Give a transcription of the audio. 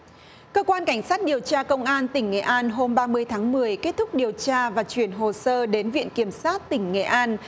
cơ quan cảnh sát điều tra công an tỉnh nghệ an hôm ba mươi tháng mười kết thúc điều tra và chuyển hồ sơ đến viện kiểm sát tỉnh nghệ an